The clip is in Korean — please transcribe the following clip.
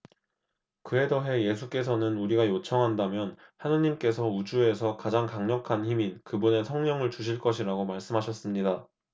그에 더해 예수께서는 우리가 요청한다면 하느님께서 우주에서 가장 강력한 힘인 그분의 성령을 주실 것이라고 말씀하셨습니다